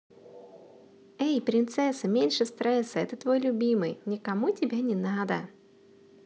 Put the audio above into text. эй принцесса меньше стресса это твой любимый никому тебя не надо